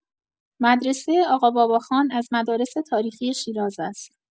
مدرسه آقاباباخان از مدارس تاریخی شیراز است.